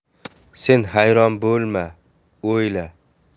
sen hayron bo'lma o'yla